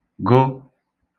gụ